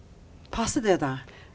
passer det deg?